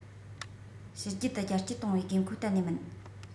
ཕྱི རྒྱལ དུ རྒྱ སྐྱེད གཏོང བའི དགོས མཁོ གཏན ནས མིན